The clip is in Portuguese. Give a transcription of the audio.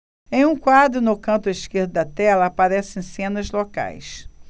em um quadro no canto esquerdo da tela aparecem cenas locais